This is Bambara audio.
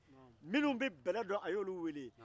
minnu bɛ bɛlɛ dɔn a y'olu weele